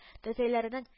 Тәтәйләренең